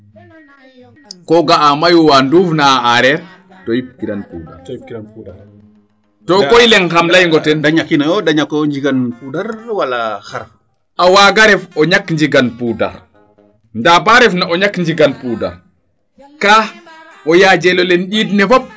ko ga'a mayu waa nduufna a areer to yip kiran poudre to koy leŋ xam leyngo ten de ñakino yo de ñakoyo njigan poudre wala xar a waaga ref o ñak njigan poudre ndaa baa refna o ñak njigan poudre kaa o yaajelo le njeend ne fop